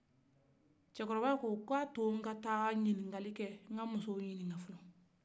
cɛkɔrɔba ko ko a to n ka taga ɲinkali kɛ an ka musow ɲinika